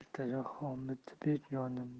ertaga homidbek yonimda